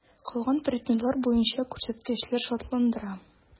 Калган предметлар буенча күрсәткечләр шатландыра.